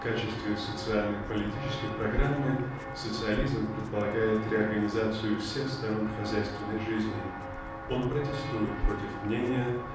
в качестве социально-политической программы социализм предполагает реорганизацию всех сторон хозяйственной жизни он протестует против мнения